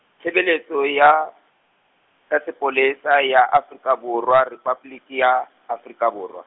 Tshebeletso ya, ya Sepolesa, ya Afrika Borwa, Rephaboliki ya Afrika Borwa.